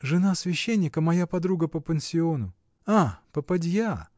— Жена священника, моя подруга по пансиону. — А, попадья?